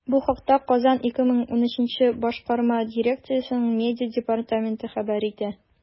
Бу хакта “Казан 2013” башкарма дирекциясенең медиа департаменты хәбәр итә.